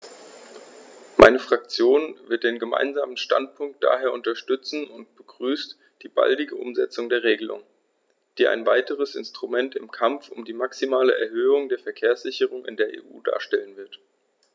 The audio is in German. Meine Fraktion wird den Gemeinsamen Standpunkt daher unterstützen und begrüßt die baldige Umsetzung der Regelung, die ein weiteres Instrument im Kampf um die maximale Erhöhung der Verkehrssicherheit in der EU darstellen wird.